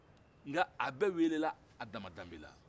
a bɛɛ welela a dan ma danbe la